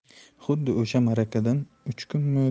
xuddi o'sha marakadan uch kunmi